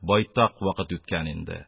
Байтак вакыт үткән инде.